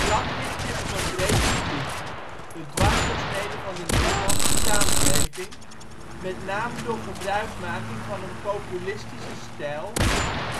blad richt zich op een breed publiek (' dwarsdoorsnede van de Nederlandse samenleving '), met name door gebruikmaking van een populistische stijl,